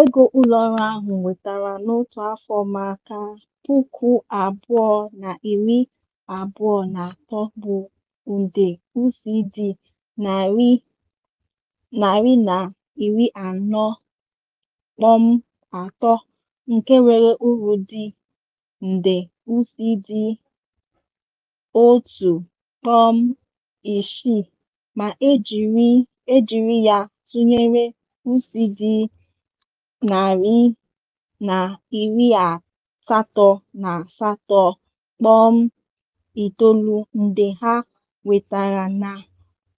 Ego ụlọọrụ ahụ nwetara n'otu afọ maka 2023 bụ nde USD 140.3, nke nwere uru dị nde USD 1.6, ma e jiri ya tụnyere USD 188.9 nde ha nwetara na